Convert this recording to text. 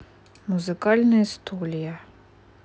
музыкальные стулья